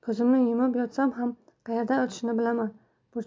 ko'zimni yumib yotsam ham qayerdan o'tishini bilaman